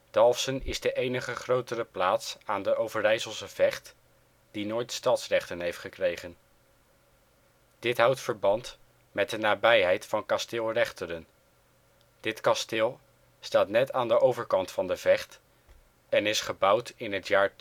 Dalfsen is de enige grotere plaats aan de Overijsselse Vecht die nooit stadsrechten heeft gekregen. Dit houdt verband met de nabijheid van kasteel Rechteren. Dit kasteel staat net aan de overkant van de Vecht en is gebouwd in het jaar